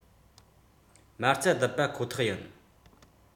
མ རྩ རྡིབ པ ཁོ ཐག ཡིན